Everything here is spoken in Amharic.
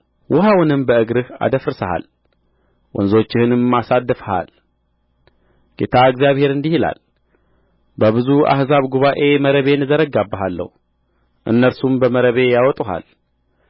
ወኃውንም በእግርህ አደፍርሰሃል ወንዞችህንም አሳድፈሃል ጌታ እግዚአብሔር እንዲህ ይላል በብዙ አሕዛብ ጉባኤ መረቤን እዘረጋብሃለሁ እነርሱም በመረቤ ያወጡሃል